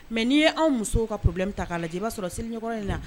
Mais n'i ye anw musow ka problème ta k'a lajɛ i b'a sɔrɔ siliɲɛkɔrɔla in na